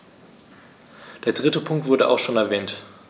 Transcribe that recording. Der dritte Punkt wurde auch schon erwähnt.